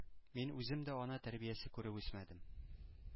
Мин үзем дә ана тәрбиясе күреп үсмәдем.